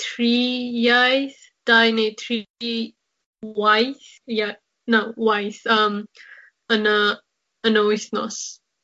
tri iaith dau neu tri i waith ie na waith yym yna yn y wythnos.